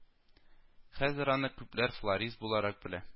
Хәзер аны күпләр флорист буларак белә